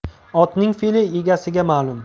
otning fe'li egasiga ma'lum